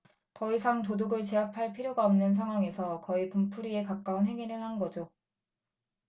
더 이상 도둑을 제압할 필요가 없는 상황에서 거의 분풀이에 가까운 행위를 한 거죠